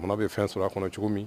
Jamana bɛ fɛn sɔrɔ a kɔnɔ cogo min.